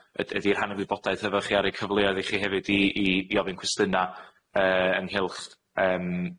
yd- ydi rhannu'r wybodaeth efo chi, a rei cyfleoedd i chi hefyd i i i ofyn cwestyna' yy ynghylch yym